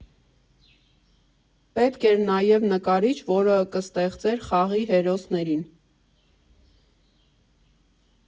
Պետք էր նաև նկարիչ, որը կստեղծեր խաղի հերոսներին։